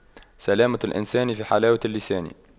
سلامة الإنسان في حلاوة اللسان